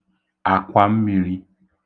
àkwàmmīrī